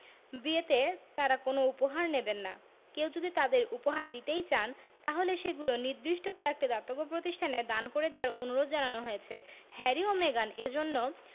বিয়েতে তাঁরা কোনো উপহার নেবেন না কেউ যদি তাঁদের উপহার দিতেই চান তাহলে সেগুলো নির্দিষ্ট কয়েকটি দাতব্য প্রতিষ্ঠানে দান করে দেওয়ার অনুরোধ জানানো হয়েছে হ্যারি ও মেগান এ জন্য